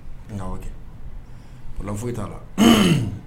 Nka kɛ ola foyi t'a la